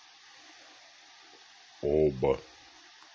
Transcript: обо